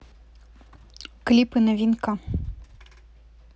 клипы новинка